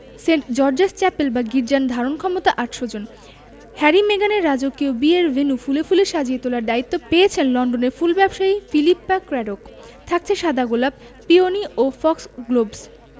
Saint George's Chapel বা গির্জার ধারণক্ষমতা ৮০০ জন হ্যারি মেগানের রাজকীয় বিয়ের ভেন্যু ফুলে ফুলে সাজিয়ে তোলার দায়িত্ব পেয়েছেন লন্ডনের ফুল ব্যবসায়ী ফিলিপ্পা ক্র্যাডোক থাকছে সাদা গোলাপ পিওনি ও ফক্সগ্লোভস